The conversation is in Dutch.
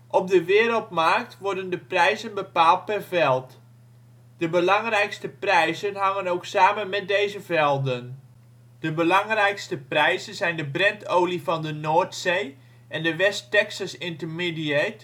Op de wereldmarkt worden de prijzen bepaald per veld. De belangrijkste prijzen hangen ook samen met deze velden. De belangrijkste prijzen zijn de Brent-olie van de Noordzee en de West Texas Intermediate